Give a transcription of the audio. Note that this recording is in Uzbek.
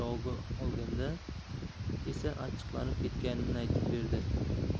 javobi olganda esa achchiqlanib ketganini aytib berdi